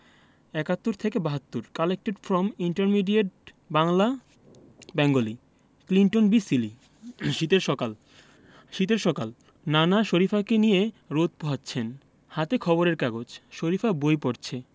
৭১ থেকে ৭২ collected from intermediate Bangla Bengali Clinton B Seely শীতের সকাল শীতের সকাল নানা শরিফাকে নিয়ে রোদ পোহাচ্ছেন হাতে খবরের কাগজ শরিফা বই পড়ছে